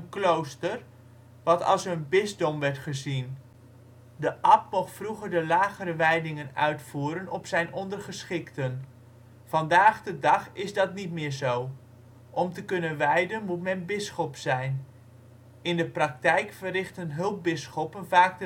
klooster, wat als hun bisdom werd gezien. De abt kan zijn, mocht vroeger de lagere wijdingen uitvoeren op hun ondergeschikten. Vandaag de dag is dat niet meer zo. Om te kunnen wijden moet men bisschop zijn. In de praktijk verrichten hulpbisschoppen vaak